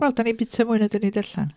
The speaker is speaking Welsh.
Wel, dan ni'n bwyta mwy na dan ni'n darllen.